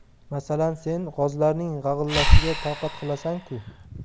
masalan sen g'ozlarning g'ag'illashiga toqat qilasan ku